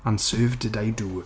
And serve did I do.